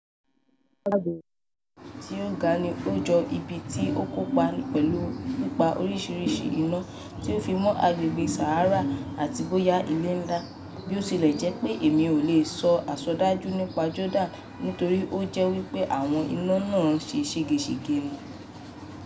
Àgbègbè Amman tí ó ga ni ó jọ bíi pé ó kópa pẹ̀lú pípa oríṣiríṣi iná, tí ó fi mọ́ àgbègbè Zahra, àti bóyá ilé ńlá (Bí ó tilẹ̀ jẹ́ pé mi ò lè sọ àsọdájú nípa Jordan nítorí ó lè jẹ́ wí pé àwọn iná náà ń ṣe ségesège ni).